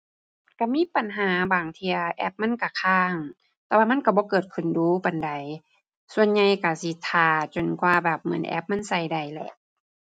ก็มีปัญหาบางเที่ย แอปมันก็ค้าง แต่ว่ามันก็บ่เกิดขึ้นดู๋ปานใด ส่วนใหญ่ก็สิท่าจนกว่าแบบเหมือนแอปมันก็ได้แหละ